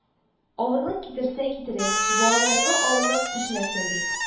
Авырлык китерсә китерә, балаларга авырлык төшмәсен, дип